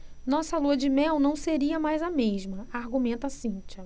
nossa lua-de-mel não seria mais a mesma argumenta cíntia